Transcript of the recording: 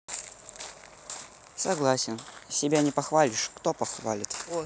согласен себя не похвалишь кто похвалит